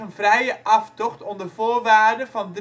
vrije aftocht onder voorwaarde van